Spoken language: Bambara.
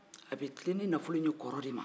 an bɛ tilen ni nanfolo in ye kɔrɔ de ma